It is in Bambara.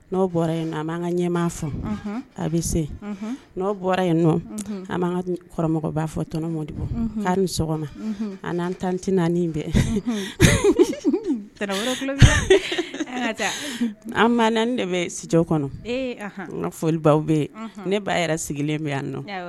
N'o bɔra in na an b'an ka ɲɛma fɔ a bɛ se n' bɔra yen n an b'an b'a fɔɔnɔmɔdi bɔ' ni so kɔnɔ an n'an tan tɛ naani bɛɛ an ma de bɛ sij kɔnɔ folibaw bɛ yen ne ba yɛrɛ sigilen bɛ yan nɔ